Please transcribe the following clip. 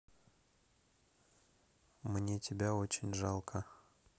мне тебя очень жалко